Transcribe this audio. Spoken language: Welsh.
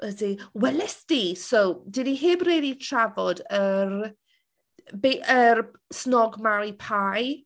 Ydy. Welest ti... So dan ni heb really trafod yr be- yr snog marry pie.